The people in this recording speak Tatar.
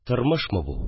Тормышмы бу